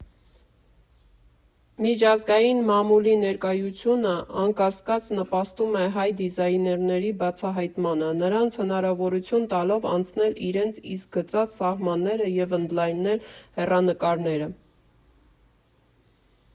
Միջազգային մամուլի ներկայությունը, անկասկած, նպաստում է հայ դիզայներների բացահայտմանը, նրանց հնարավորություն տալով անցնել իրենց իսկ գծած սահմանները և ընդլայնել հեռանկարները։